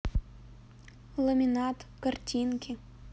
ламинат картинки